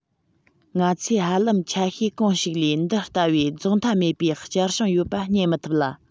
ང ཚོས ཧ ལམ ཆ ཤས གང ཞིག ལས འདི ལྟ བུའི རྫོགས མཐའ མེད པའི བསྐྱར བྱུང ཡོད པ རྙེད མི ཐུབ ལ